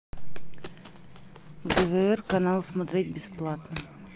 гвр канал смотреть бесплатно